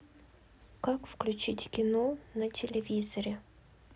как включить кино на телевизоре